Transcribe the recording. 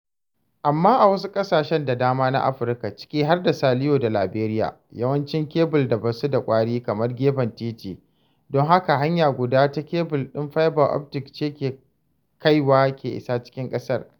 Amma, a wasu ƙasashe da dama na Afirka — ciki har da Saliyo da Laberiya — yawancin kebul ba su da ƙwari (kamar gefen titi), don haka hanya guda ta kebul ɗin fiber optic ce kawai ke isa cikin ƙasar.